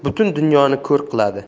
butun dunyoni ko'r qiladi